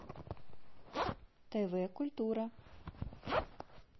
тв культура